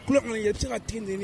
Ku kɔni ye bɛ se ka' nin